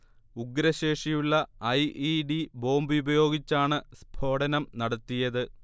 ഉഗ്രശേഷിയുള്ള I. E. D. ബോംബുപയോഗിച്ചാണ് സ്ഫോടനം നടത്തിയത്